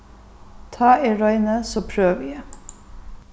tá eg royni so prøvi eg